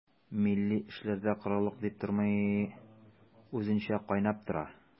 Милли эшләр дә корылык дип тормый, үзенчә кайнап тора.